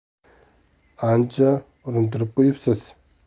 ancha urintirib qo'yibsiz